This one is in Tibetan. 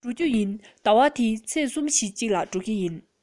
ད དུང སོང མེད ཟླ བ འདིའི ཚེས གསུམ བཞིའི གཅིག ལ འགྲོ གི ཡིན